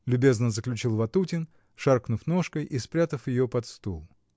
— любезно заключил Ватутин, шаркнув ножкой и спрятав ее под стул.